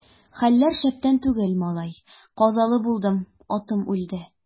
Хәлләр шәптән түгел, малай, казалы булдым, атым үлде.